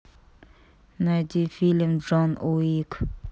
найди фильм джон уик